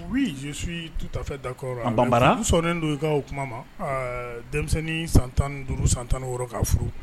U jisiw tutafe dakɔrɔ ban sɔ don i' o kuma ma denmisɛnnin san tan duuru san tan woro ka furu